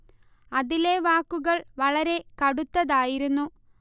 അതിലെ വാക്കുകൾ വളരെ കടുത്തതായിരുന്നു